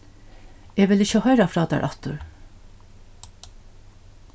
eg vil ikki hoyra frá tær aftur